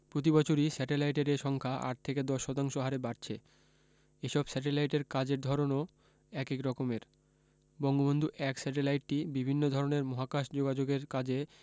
প্রতিবছরই স্যাটেলাইটের এ সংখ্যা ৮ থেকে ১০ শতাংশ হারে বাড়ছে এসব স্যাটেলাইটের কাজের ধরনও একেক রকমের বঙ্গবন্ধু ১ স্যাটেলাইটটি বিভিন্ন ধরনের মহাকাশ যোগাযোগের কাজে